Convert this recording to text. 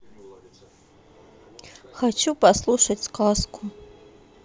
хочу послушать сказку